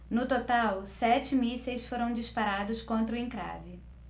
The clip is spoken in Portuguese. no total sete mísseis foram disparados contra o encrave